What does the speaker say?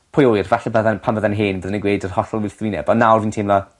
Pwy â wyr falle bydden pan fyddai'n hen fydden i'n gweud yr hollol wrthwyneb ond nawr fi'n teimlo